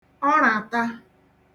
ọràta